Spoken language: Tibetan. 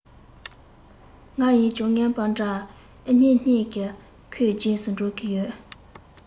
ང ཡིས ཀྱང རྔན པ འདྲ ཨེ རྙེད སྙམ གྱིན ཁོའི རྗེས སུ འགྲོ གི ཡོད